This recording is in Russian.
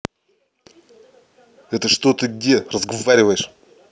это что ты где разговариваешь